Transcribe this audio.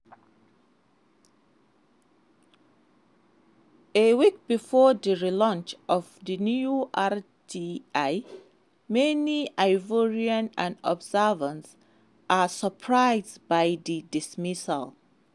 A week before the relaunch of the new RTI, many Ivorians and observers are surprised by the dismissal.